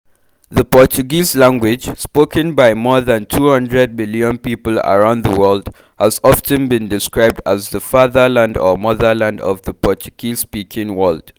The Portuguese language, spoken by more than 200 million people around the world, has often been described as the “fatherland” or “motherland” of the Portuguese-speaking world.